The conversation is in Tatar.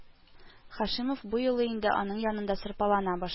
Һашимов бу юлы инде аның янында сырпалана башлады